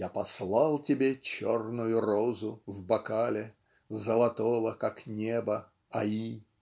Я послал тебе черную розу в бокале Золотого, как небо, Аи,